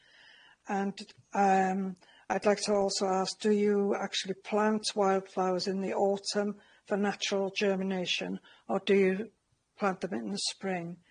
And um I'd like to also ask, do you actually plant wildflowers in the autumn for natural germination, or do you plant them in the spring?